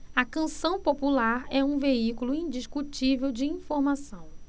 a canção popular é um veículo indiscutível de informação